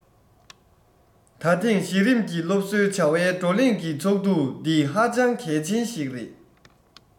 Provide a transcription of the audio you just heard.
ད ཐེངས གཞི རིམ གྱི སློབ གསོའི བྱ བའི བགྲོ གླེང གི ཚོགས འདུ འདི ཧ ཅང གལ ཆེན ཞིག རེད